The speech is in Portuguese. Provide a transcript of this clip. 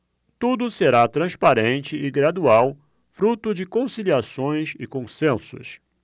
tudo será transparente e gradual fruto de conciliações e consensos